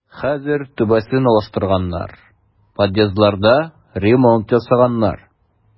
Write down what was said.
Хәзер түбәсен алыштырганнар, подъездларда ремонт ясаганнар.